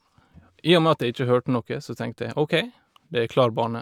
Ja, i og med at jeg ikke hørte noe, så tenkte jeg OK, det er klar bane.